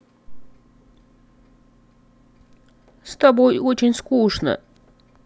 с тобой очень скучно